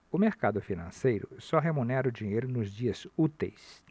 o mercado financeiro só remunera o dinheiro nos dias úteis